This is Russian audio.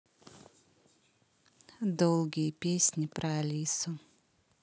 долгие песни про алису